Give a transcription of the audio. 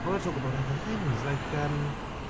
I want to talk about other things like yym...